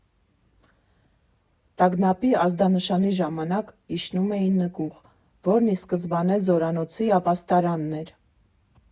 Տագնապի ազդանշանի ժամանակ իջնում էին նկուղ, որն ի սկզբանե զորանոցի ապաստարանն էր։